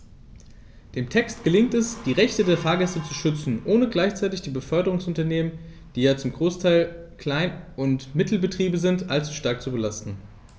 Dem Text gelingt es, die Rechte der Fahrgäste zu schützen, ohne gleichzeitig die Beförderungsunternehmen - die ja zum Großteil Klein- und Mittelbetriebe sind - allzu stark zu belasten.